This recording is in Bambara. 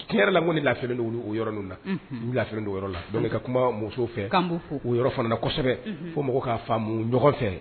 Tiɲɛ yɛrɛ launi lafifiini o yɔrɔ lafifi don yɔrɔ la dɔn ka kuma muso fɛ' yɔrɔ fana kosɛbɛ fo mɔgɔ k'a fa mun ɲɔgɔn fɛ